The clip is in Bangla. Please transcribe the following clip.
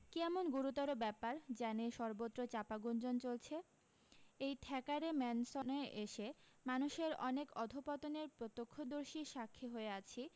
কী এমন গুরুতর ব্যাপার যা নিয়ে সর্বত্র চাপা গুঞ্জন চলছে এই থ্যাকারে ম্যানসনে এসে মানুষের অনেক অধপতনের প্রত্যক্ষদর্শী সাক্ষী হয়ে আছি